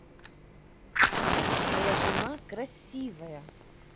моя жена красивая